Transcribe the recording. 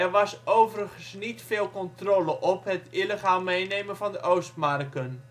was overigens niet veel controle op het (illegaal) meenemen van de Ostmarken